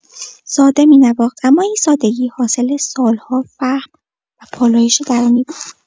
ساده می‌نواخت، اما این سادگی حاصل سال‌ها فهم و پالایش درونی بود.